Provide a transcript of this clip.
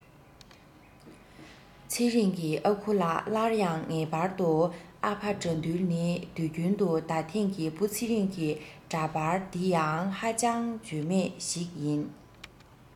ཚེ རིང གི ཨ ཁུ ལ སླར ཡང ངེས པར དུ ཨ ཕ དགྲ འདུལ ནི དུས རྒྱུན དུ ད ཐེངས ཀྱི བུ ཚེ རིང གི འདྲ པར འདི ཡང ཨ ཅང བརྗོད མེད ཞིག ཡིན